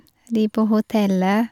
De på hotellet...